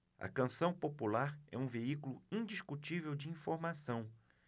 a canção popular é um veículo indiscutível de informação